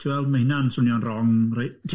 Ti'n gweld, mae hynna'n swnio'n rong reit.